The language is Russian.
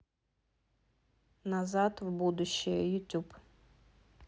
назад в будущее ютуб